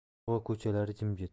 quva ko'chalari jimjit